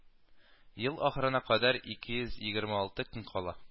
Ел ахырына кадәр ике йөз егерме алты көн кала